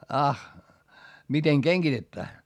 ah miten kengitetään